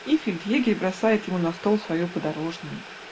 и фельдъегерь бросает ему на стол свою подорожную!.